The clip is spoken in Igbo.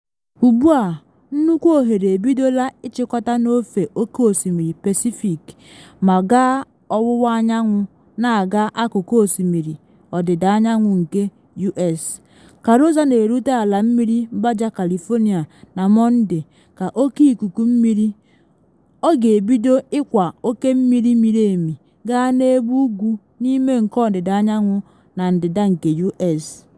Ugbu a, nnukwu oghere ebidola ịchịkọta n’ofe Oke Osimiri Pacific ma gaa ọwụwa anyanwụ na-aga Akụkụ Osimiri Ọdịda Anyanwụ nke U.S. Ka Rosa na erute ala mmiri Baja California na Mọnde ka oke ikuku mmiri, ọ ga-ebido ịkwa oke mmiri miri emi gaa n’ebe ugwu n’ime nke ọdịda anyanwụ na ndịda nke U.S.